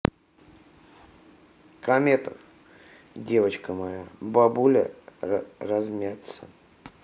кометов девочка моя бабуля размяться